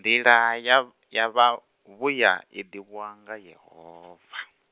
nḓila ya vh- ya vha vhuya iḓivhiwa, nga Yehova.